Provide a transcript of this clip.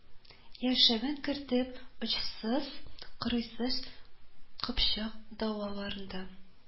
Яшәвен) кертеп, очсыз-кырыйсыз кыпчак далаларында